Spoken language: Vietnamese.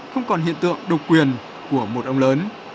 không còn hiện tượng độc quyền của một ông lớn